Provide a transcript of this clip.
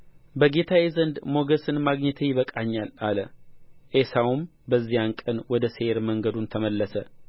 በጌታዬ ዘንድ ሞገስን ማግኘት ይበቃኛል አለ ዔሳውም በዚያን ቀን ወደ ሴይር መንገዱን ተመለሰ